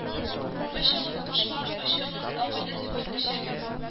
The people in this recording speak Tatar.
Очыгыз кошлар очыгыз агыйдел суын эчегез